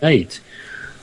...neud.